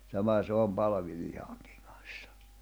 sama se on palvilihankin kanssa